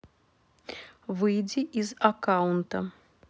выйди из аккаунта